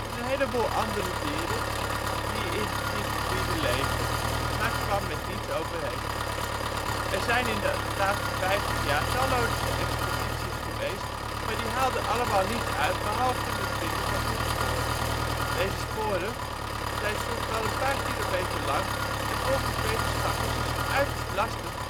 heleboel andere dieren die in die gebieden leven, maar kwam met niets overeen. Er zijn in de laatste 50 jaar talloze expedities geweest, maar die haalden allemaal niets uit behalve het vinden van voetsporen. Deze sporen zijn soms wel een paar kilometer lang en volgens wetenschappers is het uiterst lastig